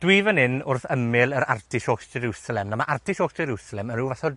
Dwi fan 'yn wrth ymyl yr artichokes Jerwsalem. Naw' ma' artichokes Jerwsalem yn ryw fath o